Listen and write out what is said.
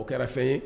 O kɛra fɛn ye